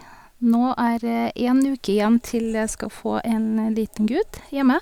Nå er det én uke igjen til jeg skal få en liten gutt hjemme.